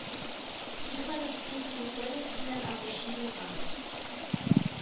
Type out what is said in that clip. Тиха Русия территориясеннән агучы елга